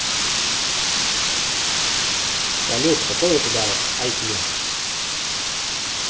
салют какой у тебя iq